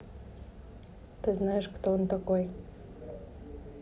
ты знаешь кто он такой